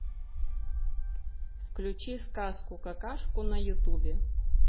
включи сказку какашку на ютубе